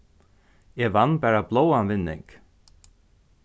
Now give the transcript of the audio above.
eg vann bara bláan vinning